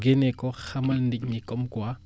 génnee ko xamal nit ñi comme quoi